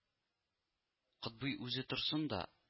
Котбый үзе торсын да